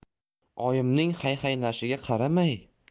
oyimning hayhaylashiga qaramay